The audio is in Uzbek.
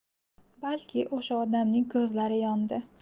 balki usha odamning kuzlari yondi